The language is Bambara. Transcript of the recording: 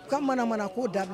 U ka manamana k'o da